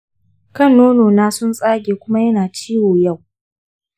kan nonona sun tsage kuma yana ciwo yau.